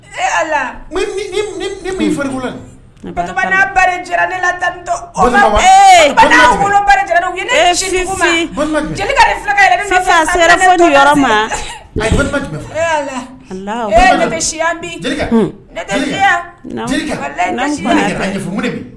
Ala lato bali ne la ba bali jeli ni filakɛ ma